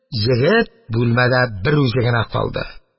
Егет бүлмәдә берүзе генә калды.